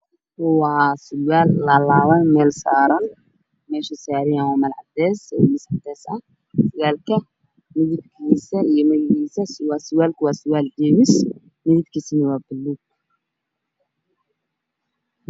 Waa surwaal laa laaban oo meel saran meesha uu saran yahayna waa meel cadees oo miis cadees ah surwalka midabkiisa iyo magiciisa surwalku waa surwal jeemis midabkiisu waa buluug